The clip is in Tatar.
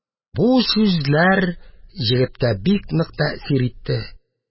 Бу сүзләр егеткә бик нык тәэсир итте.